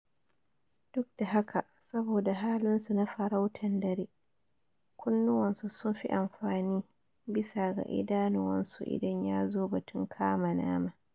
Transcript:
Duk da haka, saboda halin su na farautan dare kunnuwan su sun fi amfani bisa ga idanuwansu idan yazo batun kama nama.